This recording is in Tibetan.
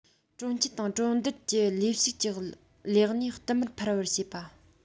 གྲོང ཁྱེར དང གྲོང རྡལ གྱི ལས ཞུགས ཀྱི ལས གནས བསྟུད མར འཕར བར བྱེད པ